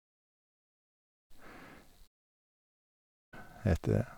heter det.